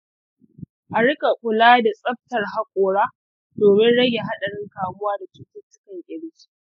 a riƙa kula da tsaftar hakora domin rage haɗarin kamuwa da cututtukan ƙirji.